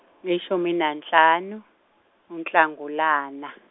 yishumi nanhlanu, uNhlangulana.